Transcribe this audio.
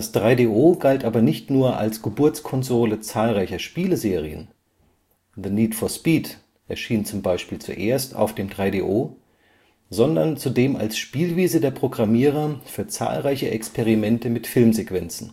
3DO galt aber nicht nur als Geburtskonsole zahlreicher Spieleserien (The Need For Speed erschien zuerst auf dem 3DO), sondern zudem als Spielwiese der Programmierer für zahlreiche Experimente mit Filmsequenzen